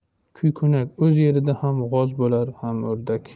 kuykunak o'z yerida ham g'oz bo'lar ham o'rdak